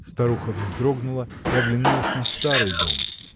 Старуха вздрогнула и оглянулась на старый дом.